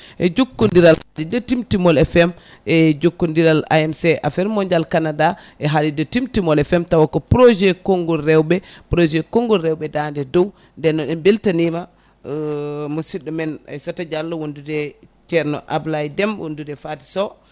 e jokkodiral Timtimol FM e jokkodiral AMC affaire mondial Canada e haalirde Timtimol FM tawa ko projet kongngol rewɓe projet kongngol rewɓe dande dow nden noon en beltanima musidɗo men Aissata Diallo wonndude ceerno Ablaye Déme wondude Faty Sow